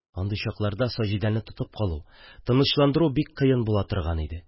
Андый чакларда Саҗидәне тотып калу, тынычландыру бик кыен була торган иде.